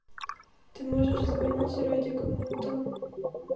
ты можешь звонить ради кому то